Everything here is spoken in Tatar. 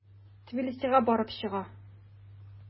Тбилисига барып чыга.